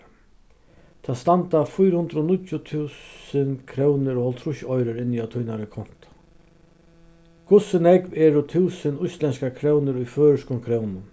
tað standa fýra hundrað og níggju túsund krónur og hálvtrýss oyrur inni á tínari kontu hvussu nógv eru túsund íslendskar krónur í føroyskum krónum